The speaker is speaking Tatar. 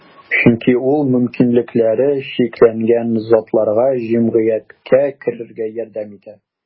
Чөнки ул мөмкинлекләре чикләнгән затларга җәмгыятькә керергә ярдәм итә.